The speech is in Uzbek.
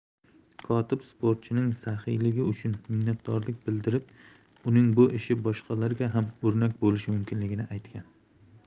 kotib sportchining saxiyligi uchun minnatdorlik bildirib uning bu ishi boshqalarga ham o'rnak bo'lishi mumkinligini aytgan